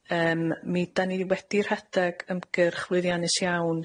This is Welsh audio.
Yym, mi 'dan ni wedi rhedeg ymgyrch lwyddiannus iawn.